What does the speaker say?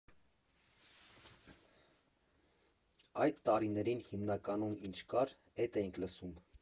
Այդ տարիներին հիմնականում ինչ կար՝ էդ էինք լսում։